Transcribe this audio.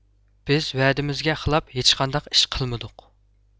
بىز ۋەدىمىزگە خىلاپ ھېچقانداق ئىش قىلمىدۇق